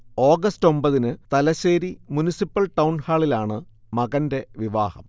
August ഒമ്പതിന് Thalassery municipal ടൗൺഹാളിലാണ് മകന്റെ വിവാഹം